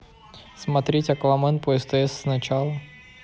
смотреть аквамен по стс с начала